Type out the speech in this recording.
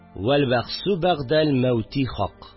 «вәлбәгъсу бәгъдәл мәүти хак»